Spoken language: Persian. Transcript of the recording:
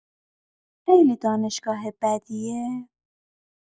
خیلی دانشگاه بدیه؟